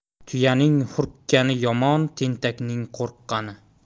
tuyaning hurkkani yomon tentakning qo'rqqani